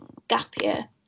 Gap year.